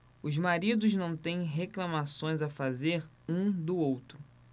os maridos não têm reclamações a fazer um do outro